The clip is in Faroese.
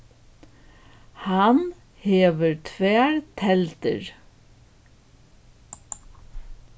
hann hevur tvær teldur